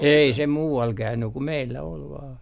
ei se muualla käynyt kuin meillä oli vain